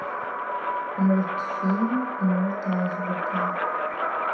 мультфильм мульт азбука